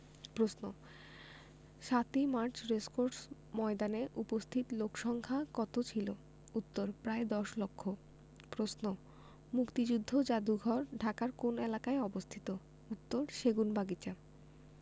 প্রশ্ন ৭ই March racecourse ময়দানে উপস্থিত লোকসংক্ষা কত ছিলো উত্তর প্রায় দশ লক্ষ প্রশ্ন মুক্তিযুদ্ধ যাদুঘর ঢাকার কোন এলাকায় অবস্থিত উত্তরঃ সেগুনবাগিচা